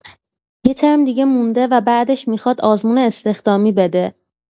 یه ترم دیگه مونده و بعدش می‌خواد آزمون استخدامی بده.